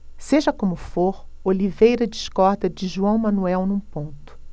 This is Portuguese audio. seja como for oliveira discorda de joão manuel num ponto